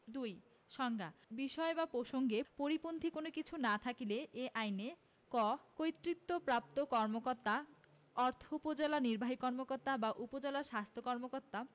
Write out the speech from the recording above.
২ সংজ্ঞাঃ বিষয় বা প্রসংগের পরিপন্থী কোন কিছু না থাকিলে এই আইনেঃ ক কর্তৃত্তবপ্রাপ্ত কর্মকর্তা অর্থ উপজেলা নির্বাহী কর্মকর্তা বা উপজেলা স্বাস্থ্য কর্মকর্তা